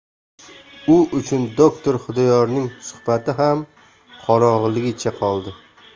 u uchun doktor xudoyorning suhbati ham qorong'iligicha qoldi